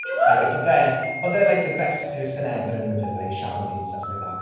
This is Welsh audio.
He was!... Like, oedd e... oedd e like, the best person ever in the villa i siarad i and stuff like that.